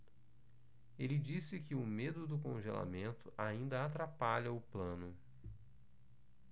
ele disse que o medo do congelamento ainda atrapalha o plano